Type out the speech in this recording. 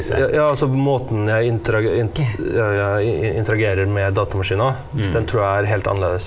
ja ja altså måten jeg jeg jeg interagerer med datamaskinen, den tror jeg er helt annerledes.